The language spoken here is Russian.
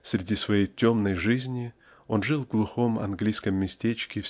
среди своей темной жизни (он жил в глухом английском местечке